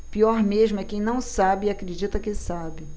pior mesmo é quem não sabe e acredita que sabe